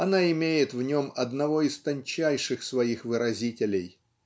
Она имеет в нем одного из тончайших своих выразителей.